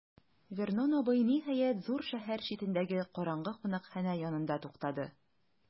Вернон абый, ниһаять, зур шәһәр читендәге караңгы кунакханә янында туктады.